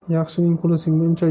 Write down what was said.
yaxshining qo'li singuncha